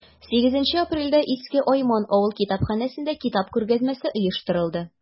8 апрельдә иске айман авыл китапханәсендә китап күргәзмәсе оештырылды.